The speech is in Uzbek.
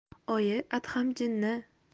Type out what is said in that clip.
oyi adham jinni